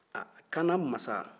aa kana masa